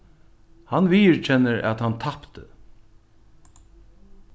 hann viðurkennir at hann tapti